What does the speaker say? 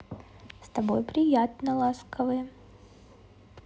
с тобой приятно ласковое